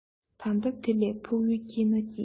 ད ལྟ དེ ལས ཕུགས ཡུལ སྐྱིད ནས སྐྱིད